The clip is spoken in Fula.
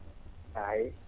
haa yi